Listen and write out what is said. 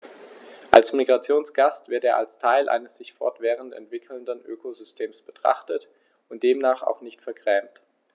Als Migrationsgast wird er als Teil eines sich fortwährend entwickelnden Ökosystems betrachtet und demnach auch nicht vergrämt.